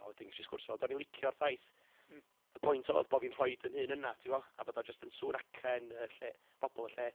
a wedyn gesh i sgwrs efo fo ond on i'n licio'r ffaith... mm. ...y point oedd bod fi'n rhoid yn hun yna tibod a bod o jyst yn sŵn acen y lle, pobl y lle.